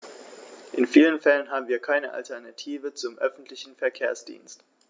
In vielen Fällen haben wir keine Alternative zum öffentlichen Verkehrsdienst.